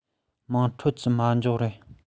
དམངས ཁྲོད ཀྱི མ འཇོག རེད